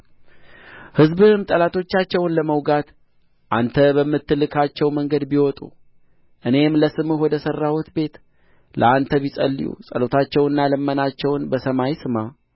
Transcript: ሕዝብህም ጠላቶቻቸውን ለመውጋት አንተ በምትልካቸው መንገድ ቢወጡ አንተም ወደ መረጥሃት ወደዚህች ከተማ እኔም ለስምህ ወደ ሠራሁት ቤት ለአንተ ቢጸልዩ ጸሎታቸውንና ልመናቸውን በሰማይ ስማ